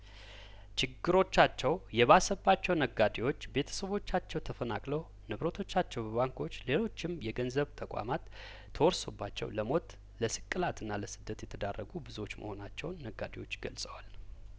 ችግሮቻቸው የባሰባቸው ነጋዴዎች ቤተሰቦቻቸው ተፈናቅለው ንብረቶቻቸው በባንኮች ሌሎችም የገንዘብ ተቋማት ተወርሰውባቸው ለሞት ለስቅላትና ለስደት የተዳረጉ ብዙዎች መሆናቸውን ነጋዴዎቹ ገልጸዋል